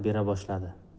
tasalli bera boshladi